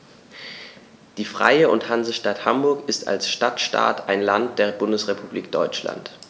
Die Freie und Hansestadt Hamburg ist als Stadtstaat ein Land der Bundesrepublik Deutschland.